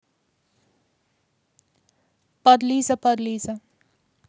подлиза подлиза